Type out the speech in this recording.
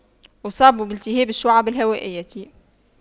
اصاب بالتهاب الشعب الهوائية